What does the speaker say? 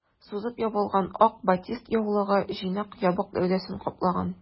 Сузып ябылган ак батист яулыгы җыйнак ябык гәүдәсен каплаган.